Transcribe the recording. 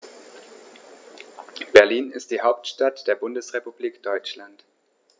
Berlin ist die Hauptstadt der Bundesrepublik Deutschland.